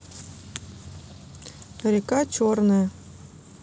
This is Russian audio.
река черная